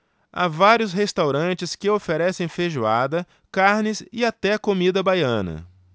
há vários restaurantes que oferecem feijoada carnes e até comida baiana